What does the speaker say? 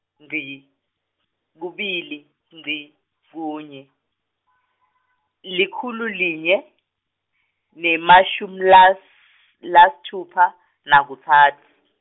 ngci kubili ngci kunye likhulu linye nemashumi las- lasitfupha nakutsatfu.